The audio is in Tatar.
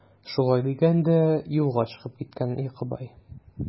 Шулай дигән дә юлга чыгып киткән Йокыбай.